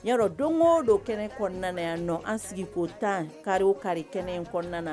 N don o don kɛnɛ kɔnɔna yan nɔ an sigi koo tan kari kari kɛnɛ in kɔnɔna na